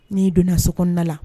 Ni donna so kɔnɔna la.